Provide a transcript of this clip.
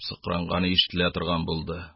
Сыкранганы ишетелә торган булды.